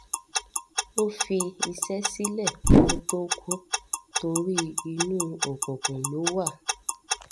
O fi iṣẹ́ sílẹ̀ kó tó kù torí “inú òkùkùn ló wà”.